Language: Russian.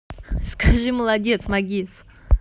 скажи молодец магис